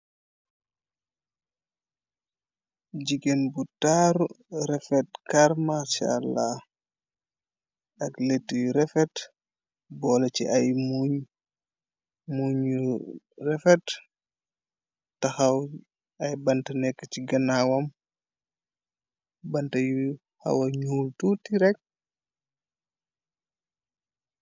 Jigéen bu taaru refet karmarchalla ak leti yu refet boole ci ay muñu refet taxaw ay bant nekk ci ganaawam bante yu xawa ñuul tuuti rekk.